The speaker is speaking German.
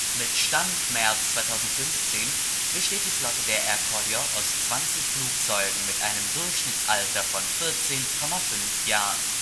Mit Stand März 2015 besteht die Flotte der Air Koryo aus 20 Flugzeugen mit einem Durchschnittsalter von 14,5 Jahren